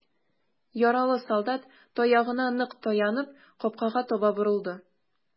Яралы солдат, таягына нык таянып, капкага таба борылды.